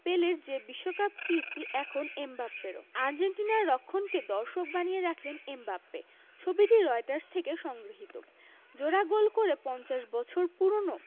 পেলের যে বিশ্বকাপ কীর্তি এখন এমবাপ্পেরও আর্জেন্টিনার রক্ষণকে দর্শক বানিয়ে রাখলেন এমবাপ্পে ছবিটি রয়টার্স থেকে সংগৃহীত জোড়া গোল করে ৫০ বছর পুরোনো